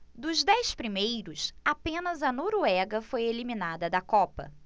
dos dez primeiros apenas a noruega foi eliminada da copa